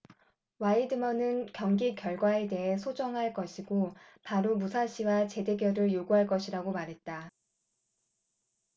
와이드먼은 경기 결과에 대해 소청할 것이고 바로 무사시와 재대결을 요구할 것이라고 말했다